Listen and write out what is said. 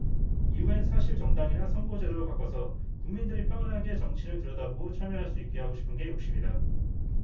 이후엔 사실 정당이나 선거제도를 바꿔서 국민들이 편하게 정치를 들여다보고 참여할 수 있게 하고 싶은 게 욕심이다